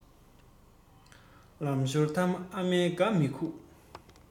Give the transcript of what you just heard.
ལང ཤོར ཐ མ ཨ མ དགའ མི ཁུག